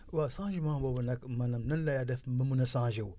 waaw changement boobu nag maanaam na la def ba mën a changé wu